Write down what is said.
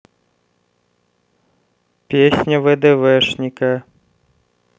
песня вдвшника